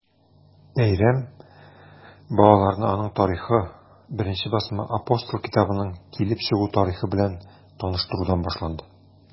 Бәйрәм балаларны аның тарихы, беренче басма “Апостол” китабының килеп чыгу тарихы белән таныштырудан башланды.